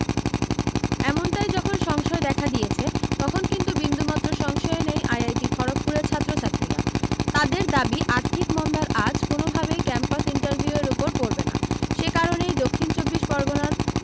এমনটাই যখন সংশয় দেখা দিয়েছে তখন কিন্তু বিন্দুমাত্র সংশয়ে নেই আইআইটি খড়গপুরের ছাত্র ছাত্রীরা তাঁদের দাবি আর্থিক মন্দার আঁচ কোনওভাবেই ক্যাম্পাস ইন্টারভিউয়ের উপর পড়বে না সে কারণেই দক্ষিণ চব্বিশ পরগনার